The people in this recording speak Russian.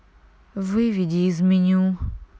выведи в меню